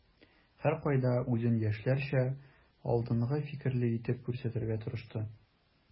Һәркайда үзен яшьләрчә, алдынгы фикерле итеп күрсәтергә тырышты.